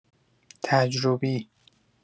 تجربی